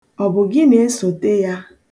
Ọ bụ gị na-esote ya?